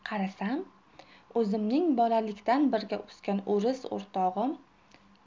qarasam o'zimning bolalikdan birga o'sgan o'riso'rtog'im